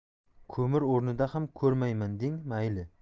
ko'mir o'rnida ham ko'rmayman deng mayli